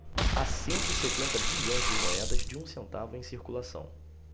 há cento e setenta bilhões de moedas de um centavo em circulação